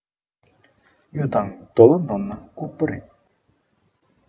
གཡུ དང དོ ལོ ནོར ན ལྐུགས པ རེད